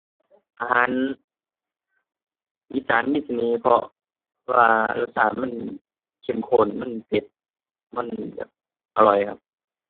อาหารอีสานมีเสน่ห์ เพราะว่ารสชาติมันเข้มข้น มันเผ็ด มันแบบอร่อยครับ